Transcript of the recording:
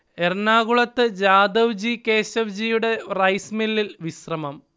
എറണാകുളത്ത് ജാദവ്ജി കേശവ്ജിയുടെ റൈസ് മില്ലിൽ വിശ്രമം